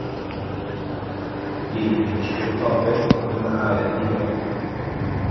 Lidl-ketchupen taper, men med æren i behold.